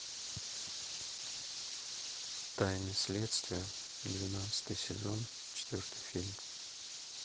тайны следствия девятнадцатый сезон четвертый фильм